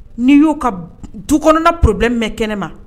N'i y'u ka b du kɔnɔna problème mɛ kɛnɛma